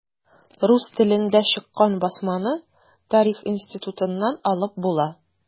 Рус телендә чыккан басманы Тарих институтыннан алып була.